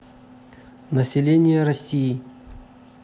население россии